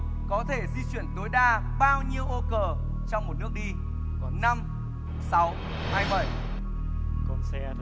có thể di chuyển tối đa bao nhiêu ô cờ trong một nước đi năm sáu hay bẩy